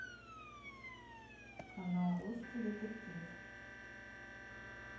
канал русский детектив